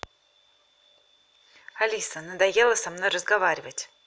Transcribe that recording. алиса надоело со мной разговаривать